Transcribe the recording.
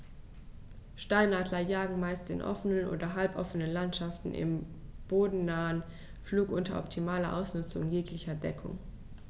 Steinadler jagen meist in offenen oder halboffenen Landschaften im bodennahen Flug unter optimaler Ausnutzung jeglicher Deckung.